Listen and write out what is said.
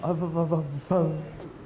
dạ vâng vâng vâng